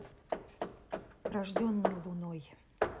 рожденные луной